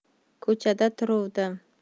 ko'chada turuvdim